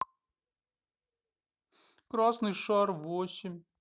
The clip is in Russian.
красный шар восемь